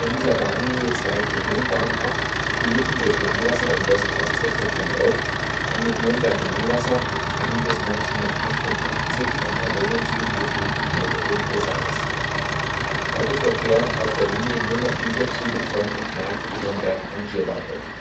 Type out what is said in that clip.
dieser Bahnlinie zweigt die Ringbahn ab, die mitten durch Langwasser (in West-Ost-Richtung) verläuft und mit Nürnberg-Langwasser einen bis 1988 von Personenzügen bedienten Haltepunkt besaß. Heute verkehren auf der Linie nur noch Güterzüge von und nach Nürnberg Rangierbahnhof